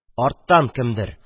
Арттан кемдер: